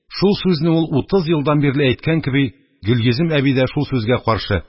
Шул сүзне ул утыз елдан бирле әйткән кеби, Гөлйөзем әби дә шул сүзгә каршы: